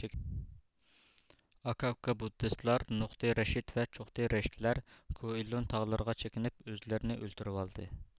ئاكا ئۇكا بۇددىستلار نۇقتى رەشىد ۋە چوقتى رەشىدلەر كۇئېنلۇن تاغلىرىغا چېكىنىپ ئۆزلىرىنى ئۆلتۈرۈۋالدى